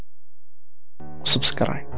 قصب سكر